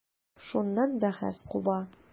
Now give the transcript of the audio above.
Шуннан бәхәс куба.